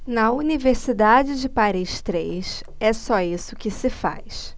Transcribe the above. na universidade de paris três é só isso que se faz